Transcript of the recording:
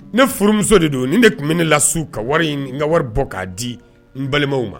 Ne furumuso de don nin de tun bɛ ne lasiw ka wari in n ka wari bɔ k'a di n balimaw ma